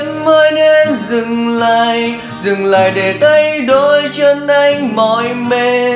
em ơi nên dừng lại dừng lại để thấy đôi chân anh mỏi mệt